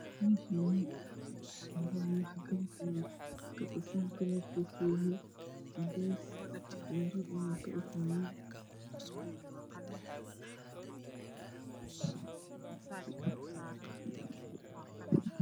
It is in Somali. Meeshaani labo nin ayaa taagan dabaq ayaa ka dhisan kalarkisa yahay cadays leerka uya ka ifahyo